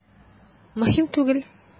Мөһим түгел.